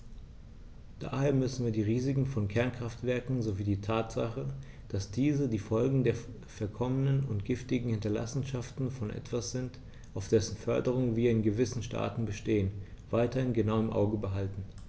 Daher müssen wir die Risiken von Kernkraftwerken sowie die Tatsache, dass diese die Folgen der verkommenen und giftigen Hinterlassenschaften von etwas sind, auf dessen Förderung wir in gewissen Staaten bestehen, weiterhin genau im Auge behalten.